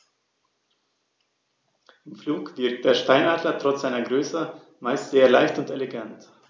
Im Flug wirkt der Steinadler trotz seiner Größe meist sehr leicht und elegant.